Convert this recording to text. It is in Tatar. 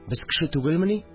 Без кеше түгелмени